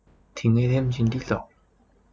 ทิ้งไอเทมชิ้นที่สอง